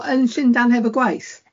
Yn Llundan hefo gwaith?